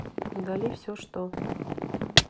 удали все что